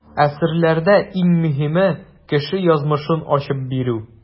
Әсәрләрдә иң мөһиме - кеше язмышын ачып бирү.